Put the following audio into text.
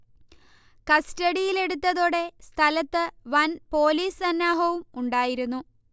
കസ്റ്റഡിയിൽ എടുത്തതോടെ സ്ഥലത്ത് വൻ പൊലീസ് സന്നാഹവും ഉണ്ടായിരുന്നു